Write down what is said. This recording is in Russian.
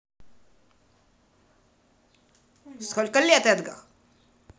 сколько лет эдгар